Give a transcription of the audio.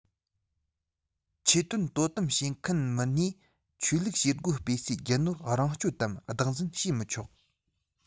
ཆོས དོན དོ དམ བྱེད མཁན མི སྣས ཆོས ལུགས བྱེད སྒོ སྤེལ སའི རྒྱུ ནོར རང སྤྱོད དམ བདག འཛིན བྱེད མི ཆོག